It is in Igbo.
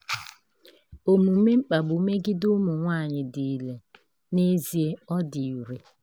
Omume mkpagbu megide ụmụ nwaanyị dị ire, n'ezie ọ dị ire.